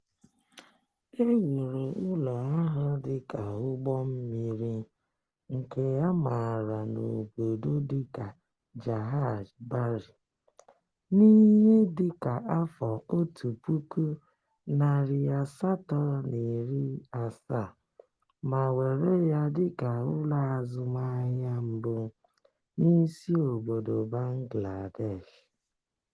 E wuru ụlọ ahụ dị ka ụgbọ mmiri, nke a maara n'obodo dị ka "Jahaj Bari", n'ihe dị ka afọ 1870 ma were ya dị ka ụlọ azụmahịa mbụ n'isi obodo Bangladesh.